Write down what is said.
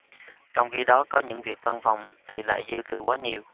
trong khi đó có những việc văn phòng thì lại dư thừa quá nhiều